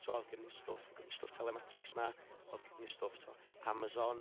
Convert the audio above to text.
tibod oedd gen i'r stwff, oedd gen i stwff telematics 'ma, roedd gen i stwff, tibod Amazon,